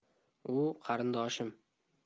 u qarindoshim